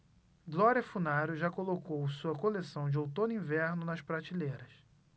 glória funaro já colocou sua coleção de outono-inverno nas prateleiras